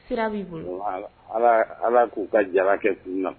Sirabi ala k'u ka jara kɛ kun na